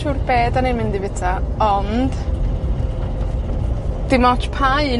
siŵr be' 'dan ni'n mynd i fita, ond, dim ots pa un